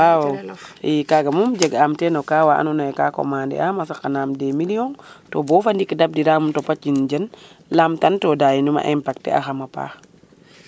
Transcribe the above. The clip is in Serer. wawaw kaga moom jeg am teno cas wa ando naye ka commander a a saqanam des millions to bo fa ndik ndabmb diram topa ciñ den lam tan to dawinum a impacter axam a paax